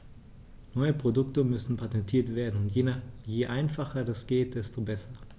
Neue Produkte müssen patentiert werden, und je einfacher das geht, desto besser.